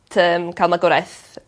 t- yym ca'l magwraeth